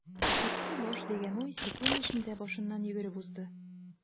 "бетте баш” дигән уй секунд эчендә башыннан йөгереп узды.